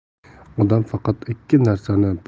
odam faqat ikki narsasini